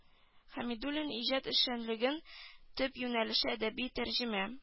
Хәмидуллин иҗат эшчәнлегенең төп юнәлеше әдәби тәрҗемә